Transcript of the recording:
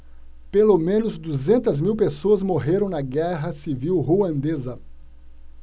pelo menos duzentas mil pessoas morreram na guerra civil ruandesa